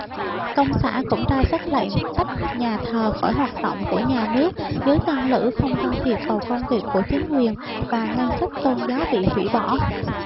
công xã cũng ra sắc lệnh tách nhà thờ khỏi hoạt động của nhà nước giới tăng lữ không can thiệp vào công việc của chính quyền và ngân sách tôn giáo bị hủy bỏ